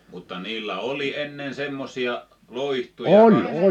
mutta niillä oli ennen semmoisia loitsuja kai